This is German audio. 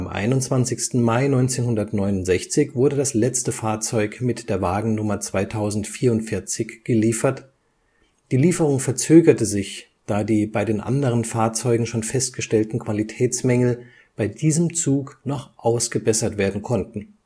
21. Mai 1969 wurde das letzte Fahrzeug mit der Wagennummer 2044 geliefert, die Lieferung verzögerte sich, da die bei den anderen Fahrzeugen schon festgestellten Qualitätsmängel bei diesem Zug noch ausgebessert werden konnten